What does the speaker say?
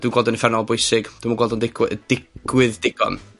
dwi'n gweld yn uffernol o bwysig. Dwi'm yn gweld o'n digwydd digwydd digon